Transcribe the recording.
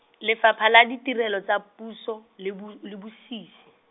Lefapha la Ditirelo tsa Puso, le Bo- le -busisi.